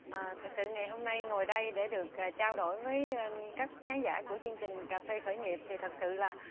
à thật sự ngày hôm nay ngồi đây để được gà trao đổi với các khán giả của chương trình cà phê khởi nghiệp thì thật sự là